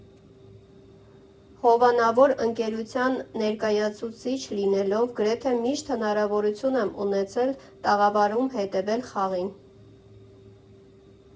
Հովանավոր ընկերության ներկայացուցիչ լինելով, գրեթե միշտ հնարավորություն եմ ունեցել տաղավարում հետևել խաղին։